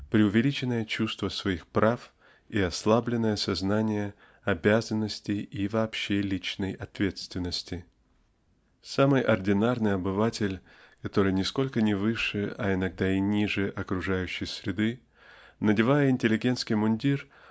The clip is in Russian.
преувеличенное чувство своих прав и ослабленное сознание обязанностей и вообще личной ответственности. Самый ординарный обыватель который нисколько не выше а иногда и ниже окружающей среды надевая интеллигентский мундир